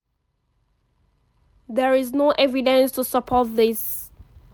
There is no evidence to support this.